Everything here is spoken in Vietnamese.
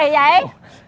kì dậy